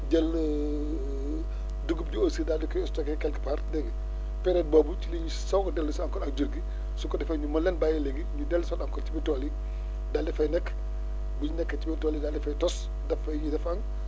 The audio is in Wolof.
jël dugub ji aussi daal di ko stocké quelque part dégg nga période boobu ci la ñuy soog a dellu si encore ak jur gi su ko defee ñu mën leen bàyyi léegi ñu dellusiwaat encore ci biir tool yi daal di fay nekk bi ñu nekkee ci biir tool yi daal di fay tas def fa ay *